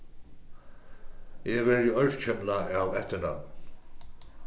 eg verði ørkymlað av eftirnøvnum